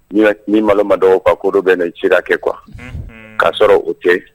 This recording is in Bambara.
Mais N'i malo ma dɔgɔ quoi ko dɔw bɛ Yen i tɛ se k'a kɛ quoi k'a sɔrɔ o tɛ